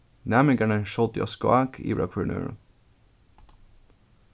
næmingarnir sótu á skák yvir av hvørjum øðrum